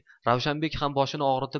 ravshanbek ham boshini og'ritib